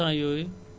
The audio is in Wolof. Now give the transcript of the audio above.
vingt pour cent